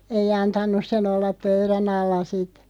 ei antanut sen olla pöydän alla sitten